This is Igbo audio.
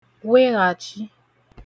weghachi